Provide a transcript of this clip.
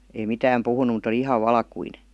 ei mitään puhunut mutta oli ihan valkoinen